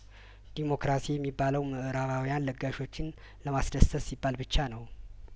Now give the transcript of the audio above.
ዲሞክራሲ የሚባለው ምእራባውያን ለጋሾችን ለማስደሰት ሲባል ብቻ ነው